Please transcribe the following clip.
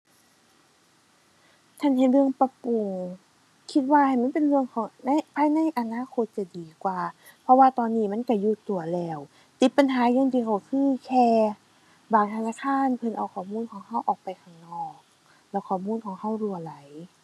ถ้าหั้นให้เรื่องปรับปรุง คิดว่าให้มันเป็นเรื่องของใน ภายในอนาคตจะดีกว่า เพราะว่าตอนนี้มันก็อยู่ตัวแล้ว ติดปัญหาอย่างเดียวก็คือแค่บางธนาคารเพิ่นเอาข้อมูลของก็ออกไปข้างนอกแล้วข้อมูลของก็รั่วไหล ⁠